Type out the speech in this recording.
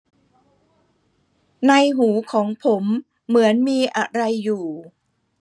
ในหูของผมเหมือนมีอะไรอยู่